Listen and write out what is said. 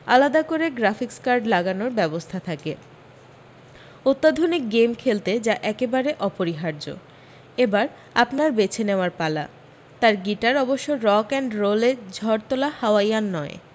আলাদা করে graphics card লাগানোর ব্যবস্থা থাকে অত্যাধুনিক গেমস খেলতে যা একেবারে অপরিহার্য্য এ বার আপনার বেছে নেওয়ার পালা তার গিটার অবশ্য রক অ্যাণ্ড রোলে ঝড় তোলা হাওয়াই্যান নয়